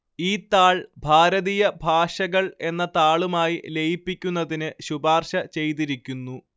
ഈ താൾ ഭാരതീയ ഭാഷകൾ എന്ന താളുമായി ലയിപ്പിക്കുന്നതിന് ശുപാർശ ചെയ്തിരിക്കുന്നു